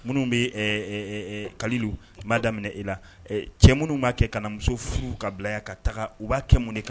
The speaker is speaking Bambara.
Minnu bee e e e e Kalilu n b'a daminɛ e la e cɛ minnu b'a kɛ kana muso furu ka bila yan ka taga u b'a kɛ mun de ka